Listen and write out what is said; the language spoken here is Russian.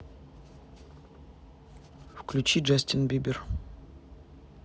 включи джастин бибер